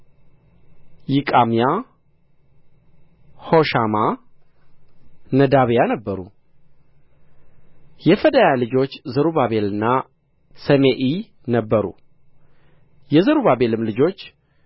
ይቃምያ ሆሻማ ነዳብያ ነበሩ የፈዳያ ልጆች ዘሩባቤልና ሰሜኢ ነበሩ የዘሩባቤልም ልጆች